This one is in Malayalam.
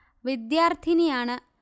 വിദ്യാർത്ഥിനിയാണ്